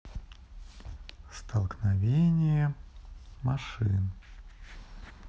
столкновение машин